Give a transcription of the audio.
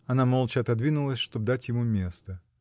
Она молча отодвинулась, чтоб дать ему место.